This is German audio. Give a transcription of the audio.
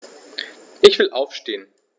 Ich will aufstehen.